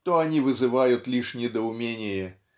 то они вызывают лишь недоумение